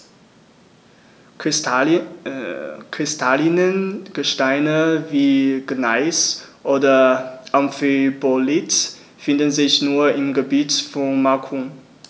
Kristalline Gesteine wie Gneis oder Amphibolit finden sich nur im Gebiet von Macun.